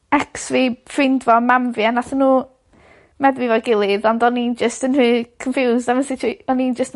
ex fi ffrind fo a mam fi a nathon n'w meddwi efo'i gilydd ond o'n 'n jyst yn rhy confused am y situa- o'n i'n jys